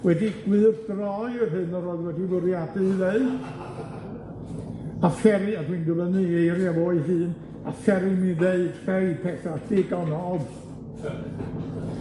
wedi gwyrdroi yr hyn yr oedd wedi fwriadu 'i ddeud, a pheri a dwi'n dyfynnu ei eiriau fo ei hun, a pheri mi ddeud rhei petha digon od.